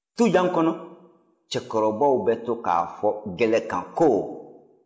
tujan kɔnɔ cɛkɔrɔbaw bɛ to k'a fɔ gɛlɛ kan ko